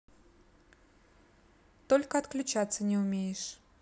только отключаться не умеешь